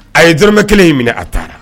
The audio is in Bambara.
A ye dmɛ kelen in minɛ a taara